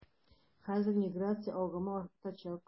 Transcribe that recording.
Хәзер миграция агымы артачак.